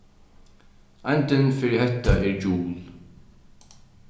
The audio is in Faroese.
eindin fyri hetta er joule